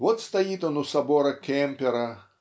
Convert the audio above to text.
Вот стоит он у собора Кэмпера